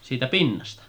siitä pinnasta